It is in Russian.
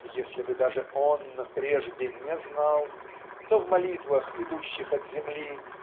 и если бы даже Он прежде не знал то в молитвах идущих от земли